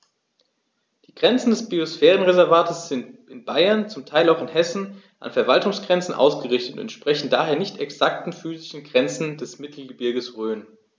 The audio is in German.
Die Grenzen des Biosphärenreservates sind in Bayern, zum Teil auch in Hessen, an Verwaltungsgrenzen ausgerichtet und entsprechen daher nicht exakten physischen Grenzen des Mittelgebirges Rhön.